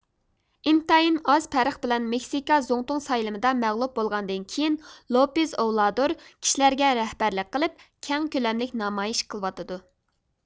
ئىنتايىن ئاز پەرق بىلەن مېكسىكا زۇڭتۇڭ سايلىمىدا مەغلۇپ بولغاندىن كېيىن لوپېز ئوۋلادور كىشىلەرگە رەھبەرلىك قىلىپ كەڭ كۆلەملىك نامايىش قىلىۋاتىدۇ